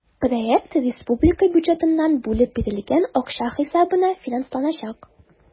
Проект республика бюджетыннан бүлеп бирелгән акча хисабына финансланачак.